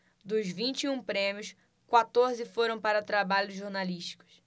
dos vinte e um prêmios quatorze foram para trabalhos jornalísticos